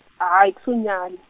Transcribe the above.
ae, a ke se nyalwe.